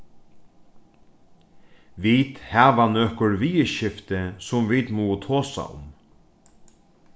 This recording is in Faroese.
vit hava nøkur viðurskifti sum vit mugu tosa um